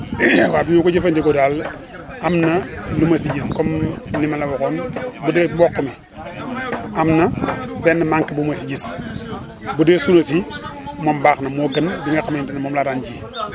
waaw bi ma ko jëfandikoo daal am na lu ma si gis comme li ma la waxoon bu dee mboq mi am na benn manque bu ma ci gis bu dee suuna si moom baax na moo gën bi nga xamante ni moom laa daan ji